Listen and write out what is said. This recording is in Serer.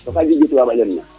to ka jeg ke tubab a ley na